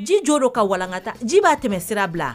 Ji jo don ka walankata ji b'a tɛmɛ sira bila